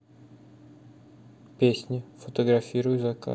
песня фотографируй заказ